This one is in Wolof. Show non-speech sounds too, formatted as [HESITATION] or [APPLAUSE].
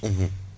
[HESITATION] [HESITATION]